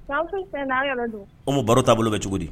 Baro taaboloa bolo bɛ cogo di